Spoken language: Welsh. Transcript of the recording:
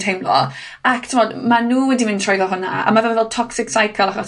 teimlo, ac t'mod, ma' nw wedi mynd trwyddo hwnna a ma' fe fel toxic cycle achos